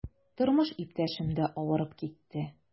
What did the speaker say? Тормыш иптәшем дә авырып китте.